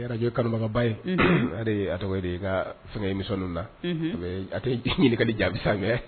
A ye Radio kanubagaba ye . Hali a tɔgɔ bɛ di, fɛngɛ . An ka émission nunun na, a tɛ ɲininkali jaabi sa mais